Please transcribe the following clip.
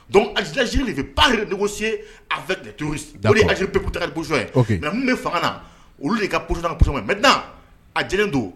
Don azz basi a alizpkurisɔ nka ne fanga na olu de ka p mɛd a j don